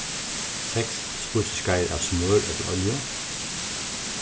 seks spísiskeiðir av smør ella olju